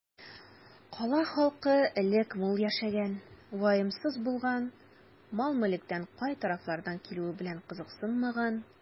Кала халкы элек мул яшәгән, ваемсыз булган, мал-мөлкәтнең кай тарафлардан килүе белән кызыксынмаган.